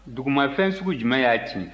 dugumafɛn sugu jumɛn y'a cin